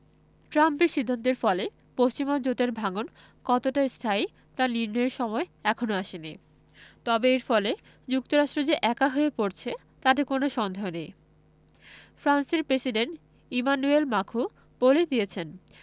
ট্রাম্পের সিদ্ধান্তের ফলে পশ্চিমা জোটের ভাঙন কতটা স্থায়ী তা নির্ণয়ের সময় এখনো আসেনি তবে এর ফলে যুক্তরাষ্ট্র যে একা হয়ে পড়ছে তাতে কোনো সন্দেহ নেই ফ্রান্সের প্রেসিডেন্ট ইমানুয়েল মাখোঁ বলেই দিয়েছেন